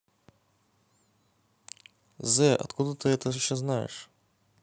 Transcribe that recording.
the откуда ты еще это знаешь